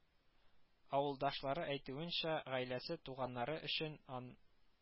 Авылдашлары әйтүенчә, гаиләсе, туганнары өчен ан